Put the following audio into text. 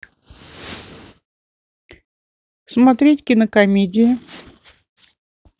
смотреть кинокомедии